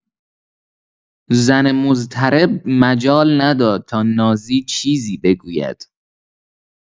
زن مضطرب مجال نداد تا نازی چیزی بگوید.